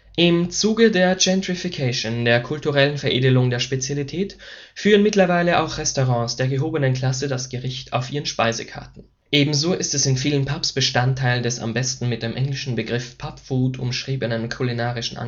Im Zuge der gentrification, der kulturellen Veredelung der Spezialität, führen mittlerweile auch Restaurants der gehobeneren Klasse das Gericht auf ihren Speisekarten. Ebenso ist es in vielen Pubs Bestandteil des am besten mit dem englischen Begriff Pubfood umschriebenen kulinarischen